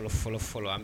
N ko fɔlɔ fɔlɔ an b